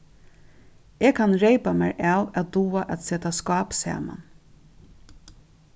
eg kann reypa mær av at duga at seta skáp saman